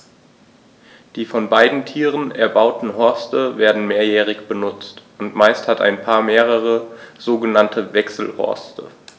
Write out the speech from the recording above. Die von beiden Tieren erbauten Horste werden mehrjährig benutzt, und meist hat ein Paar mehrere sogenannte Wechselhorste.